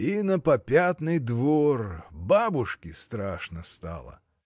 — И на попятный двор: бабушки страшно стало!